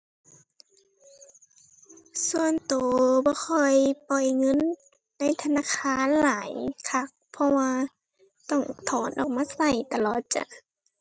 ส่วนตัวบ่ค่อยปล่อยเงินในธนาคารหลายคัก เพราะว่าต้องถอนออกมาตัวตลอดจ้ะ